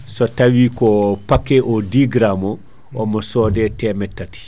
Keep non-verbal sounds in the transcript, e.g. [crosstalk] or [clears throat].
so tawi ko paquet o 10 grammes o [clears throat] omo soode temet taati